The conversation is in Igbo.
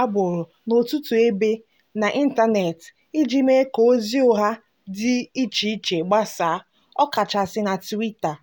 agbụrụ n'ọtụtụ ebe n'ịntaneetị iji mee ka ozi ụgha dị icheiche gbasaa, ọkachasị na Twitter.